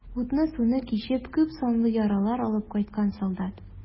Утны-суны кичеп, күпсанлы яралар алып кайткан солдат.